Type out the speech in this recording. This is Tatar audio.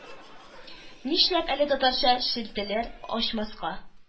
Нишләп әле татарча челтәр ачмаска